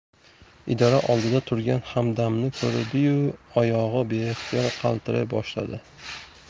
idora oldida turgan hamdamni ko'rdi yu oyog'i beixtiyor qaltiray boshladi